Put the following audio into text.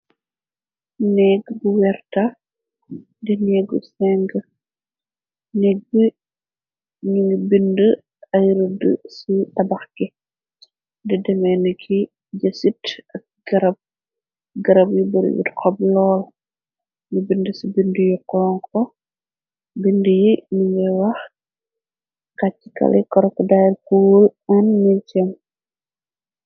Néeg bu werta di neegu singr nég bi ñu ngi bind ay rudd ci tabax gi. Di deme na ki jësit ak rgërab yu barbir xob lool. Nu bind ci bind yu koon ko bind yi nu ngoy wax xacc kali korok dair cuul en ni cem.